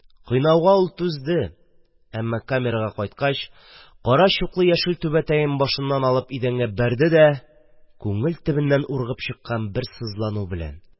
Кыйнауга ул түзде, әммә камерага кайткач, кара чуклы яшел түбәтәен башыннан алып идәнгә бәрде дә, күңел төбеннән ургып чыккан бер сызлану белән: